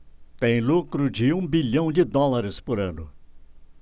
tem lucro de um bilhão de dólares por ano